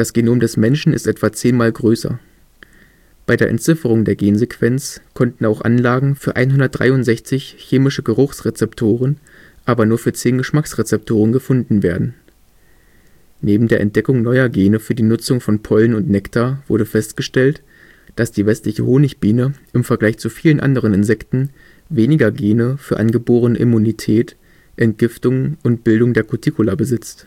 Genom des Menschen ist etwa zehnmal größer. Bei der Entzifferung der Gensequenz konnten auch Anlagen für 163 chemische Geruchs-Rezeptoren, aber nur für 10 Geschmacksrezeptoren gefunden werden. Neben der Entdeckung neuer Gene für die Nutzung von Pollen und Nektar wurde festgestellt, dass die Westliche Honigbiene im Vergleich zu vielen anderen Insekten weniger Gene für angeborene Immunität, Entgiftung und Bildung der Kutikula besitzt